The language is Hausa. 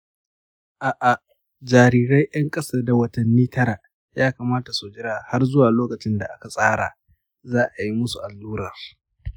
a'a, jarirai 'yan kasa da watanni tara ya kamata su jira har zuwa lokacin da aka tsara za a yi musu allurar.